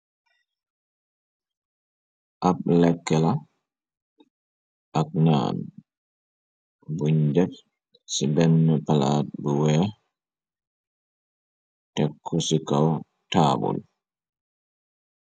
Ab lekke la ak naan buñ jef ci benn palaat bu weex. Tekku ci kaw taabul.